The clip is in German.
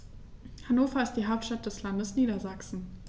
Hannover ist die Hauptstadt des Landes Niedersachsen.